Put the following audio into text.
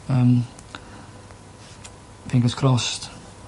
Yym. fingers crossed